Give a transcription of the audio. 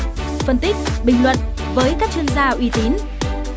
phân tích bình luận với các chuyên gia uy tín